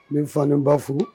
N be n fa ni n ba fo